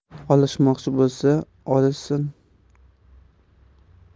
olishmoqchi bo'lsa olishsin